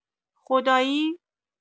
خدایی؟